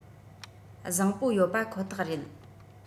བཟང པོ ཡོད པ ཁོ ཐག རེད